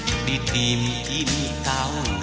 bây giờ